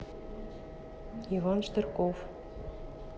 иван штырков